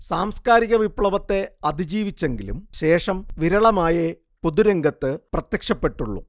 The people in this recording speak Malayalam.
സാംസ്കാരിക വിപ്ലവത്തെ അതിജീവിച്ചെങ്കിലും ശേഷം വിരളമായെ പൊതുരംഗത്ത് പ്രത്യക്ഷപ്പെട്ടുള്ളൂ